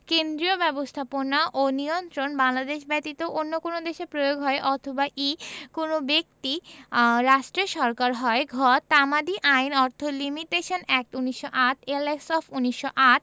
কেন্দ্রীয় ব্যবস্থাপনা ও নিয়ন্ত্রণ বাংলাদেশ ব্যতীত অন্য কোন দেশে প্রয়োগ হয় অথবা ঈ কোন বিদেশী রাষ্ট্রের সরকার হয় ঘ তামাদি আইন অর্থ limitation act ১৯০৮ L X of ১৯০৮